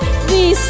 vì